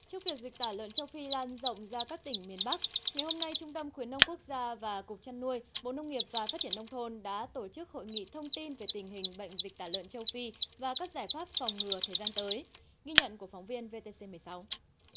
trước việc dịch tả lợn châu phi lan rộng ra các tỉnh miền bắc ngày hôm nay trung tâm khuyến nông quốc gia và cục chăn nuôi bộ nông nghiệp và phát triển nông thôn đã tổ chức hội nghị thông tin về tình hình bệnh dịch tả lợn châu phi và các giải pháp phòng ngừa thời gian tới ghi nhận của phóng viên vê tê xê mười sáu